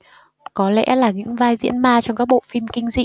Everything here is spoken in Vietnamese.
có lẽ là những vai diễn ma trong các bộ phim kinh dị